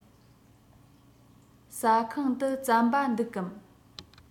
ཟ ཁང དུ རྩམ པ འདུག གམ